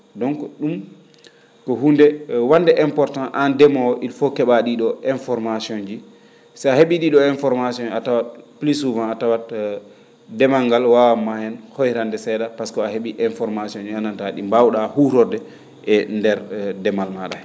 donc ?um ko hunnde wa?nde important aan ndeemoowo oo il faut ke?aa ?ii ?oo information ji so a he?ii ?ii ?oo information ji a tawat plus souvent a tawat demal ngal waawatma heen hoyrande see?a pasque information ji ?i nganndantaa ?i mbaaw?aa huurorde e ndeer demal maa?a hee